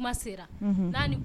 Sera